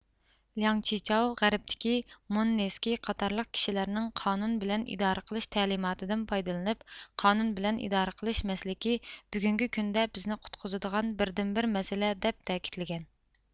لياڭ چىچاۋ غەربتىكى موننېسكى قاتارلىق كىشىلەرنىڭ قانۇن بىلەن ئىدارە قىلىش تەلىماتىدىن پايدىلىنىپ قانۇن بىلەن ئىدارە قىلىش مەسلىكى بۈگۈنكى كۈندە بىزنى قۇتقۇزىدىغان بىردىنبىر مەسلە دەپ تەكىتلىگەن